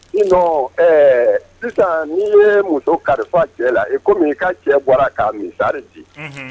N ɛɛ sisan n'i ye muso kalifa cɛ la i komi i ka cɛ bɔra ka misari di